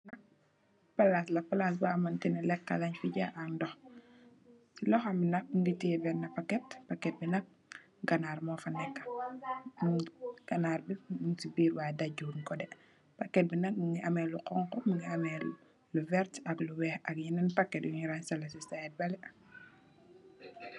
Palaas la palaas bo hamanteni lekka lenyu jaay ak ndox ci loxam nak mungi tee bena paket paket bi nak ganaar mofa neka ganaar bi mung ci biir way dadji wunjko deh paket bi nak mungi ameh lu xonxu mungi ameh lu veert ak lu weex ak yenen paket yu nyu ranseleh si side beleh